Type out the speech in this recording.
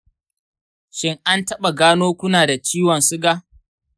shin an taɓa gano kuna da ciwon suga?